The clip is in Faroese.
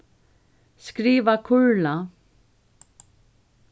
skriva kurla